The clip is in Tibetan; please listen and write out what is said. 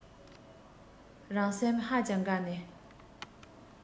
རང སེམས ཧ ཅང དགའ ནས